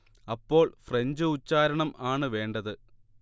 അപ്പോൾ ഫ്രഞ്ച് ഉച്ചാരണമാണ് വേണ്ടത്